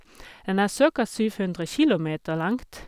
Den er cirka syv hundre kilometer langt.